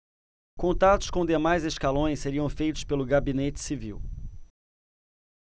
contatos com demais escalões seriam feitos pelo gabinete civil